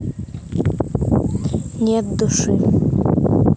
нет души